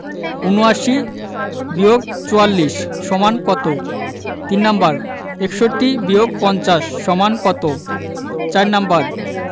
৭৯-৪৪ = কত ৩ নাম্বার ৬১-৫০ = কত ৪ নাম্বার